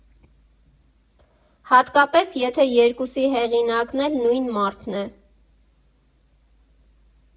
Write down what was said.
Հատկապես, եթե երկուսի հեղինակն էլ նույն մարդն է։